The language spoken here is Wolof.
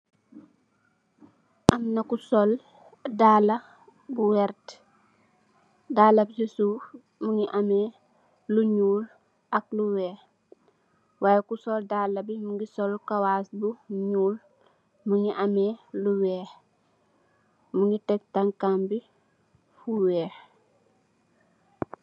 Amna ku sol daalah bu wehrtt, daalah bii cii suff mungy ameh lu njull ak lu wekh, yy ku sol daalah bii mungy sol kawass bu njull, mungy ameh lu wekh, mungy tek taankam bii fu wekh.